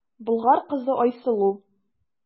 Болгар кызы Айсылу.